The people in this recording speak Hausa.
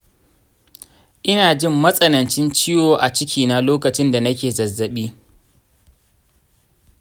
ina jin matsanancin ciwo a cikina lokacin da nake zazzabi.